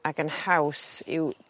ag yn haws i'w